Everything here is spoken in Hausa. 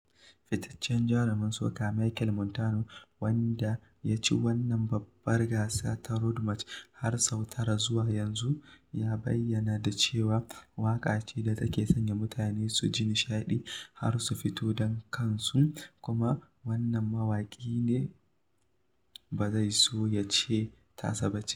Fitaccen jarumin Soca, Machel Montano, wanda ya ci wannan babban gasar ta Road March har sau tara zuwa yanzu, ya bayyana ta da cewa "waƙa ce da take sanya mutane su ji nishaɗi har su fito don kansu" - kuma wane mawaƙi ne ba zai so ya ce tasa ba ce?